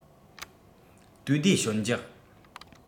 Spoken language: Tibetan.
དུས བདེ ཞོད འཇགས